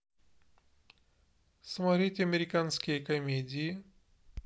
смотреть американские комедии